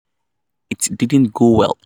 It Didn't Go Well